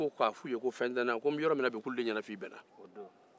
n ko i k'a fɔ u ye ko fɛn tɛ n na k'olu de ɲɛnafin bɛ na